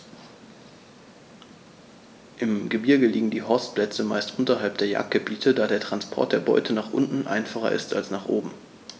Im Gebirge liegen die Horstplätze meist unterhalb der Jagdgebiete, da der Transport der Beute nach unten einfacher ist als nach oben.